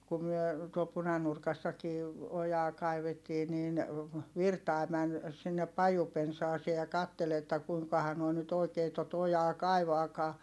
kun me tuolla Punanurkassakin ojaa kaivettiin niin Virtanen meni sinne pajupensaaseen ja katseli että kuinkahan nuo nyt oikein tuota ojaa kaivaakaan